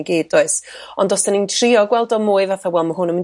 ni gyd does? Ond os 'da ni'n trio gweld o mwy fatha wel ma' hwn yn mynd